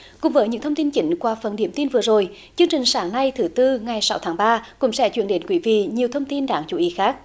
cùng với những thông tin chuyển qua phần điểm tin vừa rồi chương trình sáng nay thứ tư ngày sáu tháng ba cũng sẽ chuyển đến quý vị nhiều thông tin đáng chú ý khác